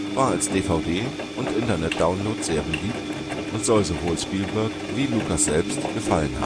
war als DVD und Internet-Download sehr beliebt und soll sowohl Spielberg wie Lucas selbst gefallen